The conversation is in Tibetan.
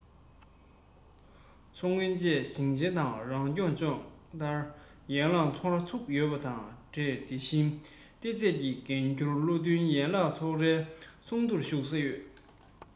མཚོ སྔོན བཅས ཞིང ཆེན དང རང སྐྱོང ལྗོངས ལྔར ཡན ལག ཚོགས ར བཙུགས ཡོད པ དང འབྲེལ དེ བཞིན སྡེ ཚན གྱི འགན ཁུར བློ མཐུན ཡན ལག ཚོགས རའི ཚོགས འདུར ཞུགས ཡོད